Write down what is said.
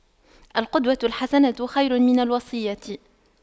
القدوة الحسنة خير من الوصية